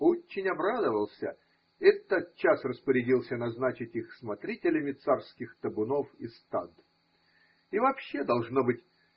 очень обрадовался и тотчас распорядился назначить их смотрителями царских табунов и стад. И вообще. должно быть.